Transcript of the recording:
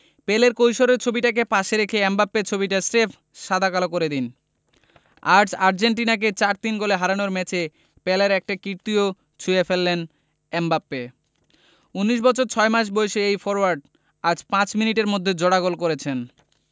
পেলের কৈশোরের ছবিটাকে পাশে রেখে এমবাপ্পের ছবিটা স্রেফ সাদা কালো করে দিন আজ আর্জেন্টিনাকে ৪ ৩ গোলে হারানোর ম্যাচে পেলের একটা কীর্তিও ছুঁয়ে ফেললেন এমবাপ্পে ১৯ বছর ৬ মাস বয়সী এই ফরোয়ার্ড আজ ৫ মিনিটের মধ্যে জোড়া গোল করেছেন